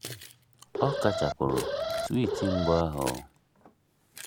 Ọ kachapụkwara twiiti mbụ ahụ.